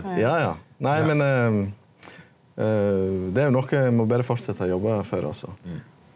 ja ja nei men det er jo noko eg må berre fortsetta å jobba for altso.